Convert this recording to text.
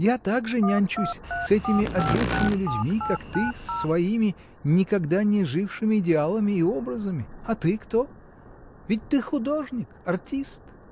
Я так же нянчусь с этими отжившими людьми, как ты с своими никогда не жившими идеалами и образами. А ты кто? Ведь ты художник, артист?